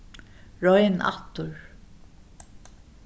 royn aftur